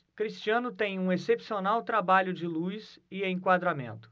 cristiano tem um excepcional trabalho de luz e enquadramento